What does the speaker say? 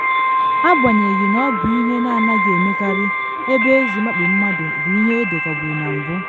Agbanyeghị na ọ bụ ihe na anaghị emekarị, ebe ezi ịmakpu mmadụ bụ ihe edekọburu na mbụ.